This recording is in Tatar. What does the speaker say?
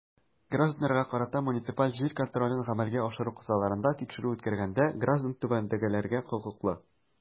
Гражданнарга карата муниципаль җир контролен гамәлгә ашыру кысаларында тикшерү үткәргәндә граждан түбәндәгеләргә хокуклы.